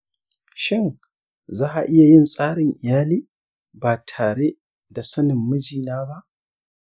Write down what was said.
shin za a iya yin tsarin iyali ba tare da sanin mijina ba?